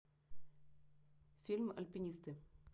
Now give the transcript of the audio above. фильм альпинисты